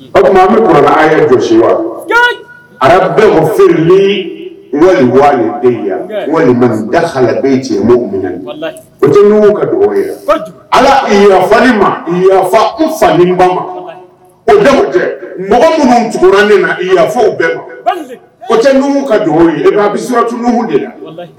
O tuma an bɛ a bɛɛ mafe min wa dahabe cɛ ka dugaw ala fa ma fa niba o mɔgɔ minnu cogoya ne na fɔ bɛɛ o cɛ ka dugawu ye a bɛ siratu de la